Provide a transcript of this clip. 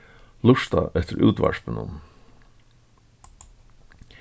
lurta eftir útvarpinum